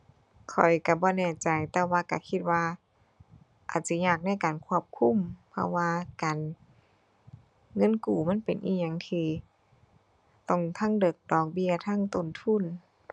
ข้อยก็บ่แน่ใจแต่ว่าก็คิดว่า อาจจะยากในการควบคุม เพราะว่า การ เงินกู้มันเป็นอิหยังที่ ต้องทั้งเดิกดอกเบี้ย ทั้งต้นทุน